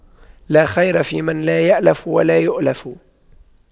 لا خير فيمن لا يَأْلَفُ ولا يؤلف